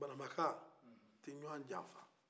bananba ka u tɛ ɲwan janfa